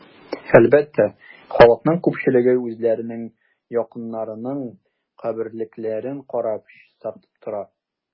Әлбәттә, халыкның күпчелеге үзләренең якыннарының каберлекләрен карап, чистартып тора.